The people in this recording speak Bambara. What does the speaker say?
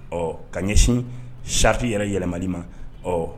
Ɔ ka ɲɛsin safi yɛrɛ yɛlɛmama ma ɔ